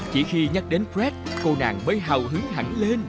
chỉ khi nhắc tới bét cô nàng mới hào hứng hẳn lên